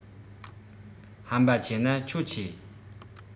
ཧམ པ ཆེ ན ཁྱོད ཆེ